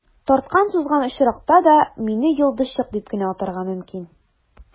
Тарткан-сузган очракта да, мине «йолдызчык» дип кенә атарга мөмкин.